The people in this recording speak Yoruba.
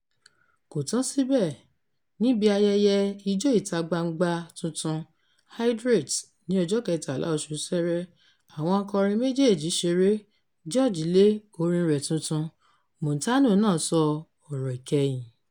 Kò tán síbẹ̀: níbi ayẹyẹ Ijó ìta-gbangba tuntun, "Hydrate", ní ọjọ́ 13 oṣù Ṣẹrẹ, àwọn akọrin méjèèjì ṣeré. George lé orin rẹ̀ tuntun Montano náà sọ ọ̀rọ̀ ìkẹyìn: